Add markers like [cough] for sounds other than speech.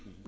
[hesitation] [hesitation]